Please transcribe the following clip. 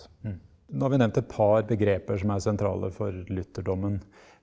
ja nå har vi nevnt et par begreper som er sentrale for lutherdommen.